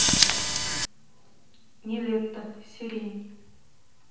нилетто сирень